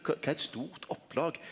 k kva er eit stort opplag?